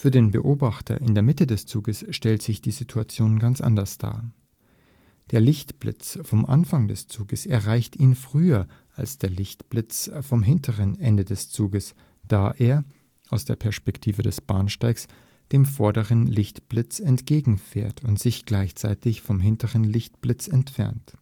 den Beobachter in der Mitte des Zuges stellt sich die Situation aber ganz anders dar: Der Lichtblitz vom Anfang des Zuges erreicht ihn früher als der Lichtblitz vom hinteren Ende des Zuges, da er – aus der Perspektive des Bahnsteigs – dem vorderen Lichtblitz entgegen fährt und sich gleichzeitig vom hinteren Lichtblitz entfernt